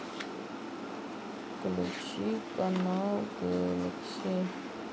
включи канал галакси